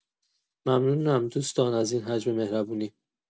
ممنونم دوستان از این حجم مهربونی